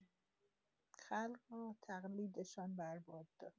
خلق را تقلیدشان برباد داد!